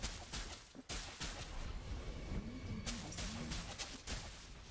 видео к москва